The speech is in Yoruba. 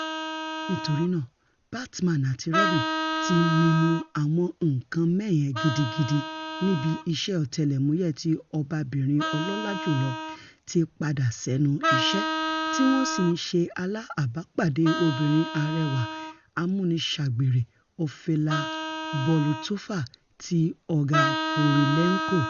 Nítorínáà Batman àti Robin ti mimu àwọn nǹkan mẹ̀hẹ gidigidi níbi Iṣ̵ẹ́ Ọ̀tẹlẹ̀múyẹ̵́ ti Ọbabìnrin Ọlọ́lá Jùlọ ti padà sẹnu iṣẹ́, tíwọn sì ńṣe aláàbápàdé obìnrin àrẹwà amúniṣagbère Ophelia Bulletova ti Olgs Kurylenko.